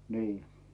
niin